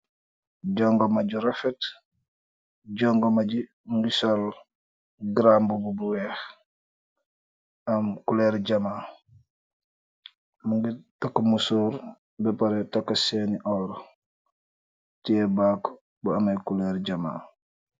Jongama ju rafet , jongama gi mugeh sol garambubu bu wèèx am kuloru jamaa, mugeh takka missór be pareh takka cèèn ni oór, teyeh bag bu ameh kuloru jamaa.